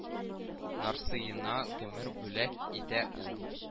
Нарасыена гомер бүләк итә ул